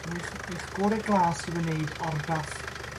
Gwnech 'ych gore glas i wneud orgraff